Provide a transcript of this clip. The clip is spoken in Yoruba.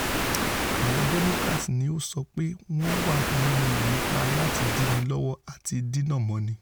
Àwọn Democrats, ni ó sọ pé, wọn wà nínú ìlépa láti ''dínilọ́wọ àti dínamọ́ni.''